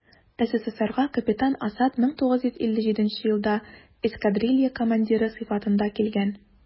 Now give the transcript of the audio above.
СССРга капитан Асад 1957 елда эскадрилья командиры сыйфатында килгән.